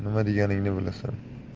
nima deganingni bilasan